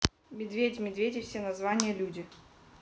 медведь медведи все названия люди